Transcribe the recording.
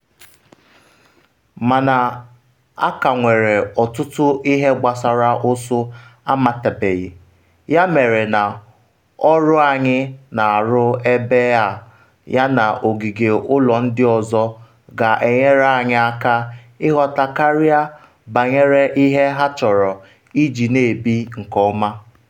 Mana a ka nwere ọtụtụ ihe gbasara ụsụ amatabeghị, ya mere na ọrụ anyị na-arụ ebe a yana n’ogige ụlọ ndị ọzọ ga-enyere anyị aka ịghọta karịa banyere ihe ha chọrọ iji n’ebi nke ọma.”